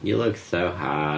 You looked so hot.